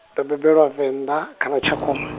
ndo bebelwa Venḓa, khala Tshakhuma.